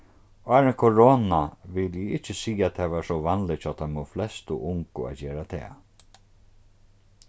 áðrenn korona vil eg ikki siga tað var so vanligt hjá teimum flestu ungu at gera tað